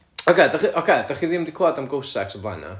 oce dach chi... dach chi ddim 'di clywad am ghost sex o blaen na?